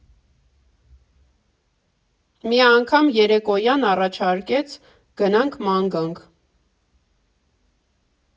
Մի անգամ երեկոյան առաջարկեց գնանք ման գանք։